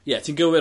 Ie ti'n gywir...